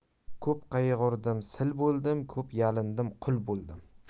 ko'p qayg'urdim sil boidim ko'p yalindim qui boidim